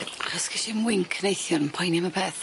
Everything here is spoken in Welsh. Gysges i'm wink neithiwr yn poeni am y peth.